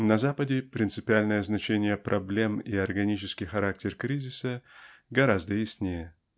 На Западе принципиальное значение проблем и органический характер кризиса гораздо яснее.